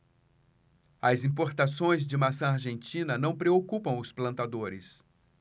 as importações de maçã argentina não preocupam os plantadores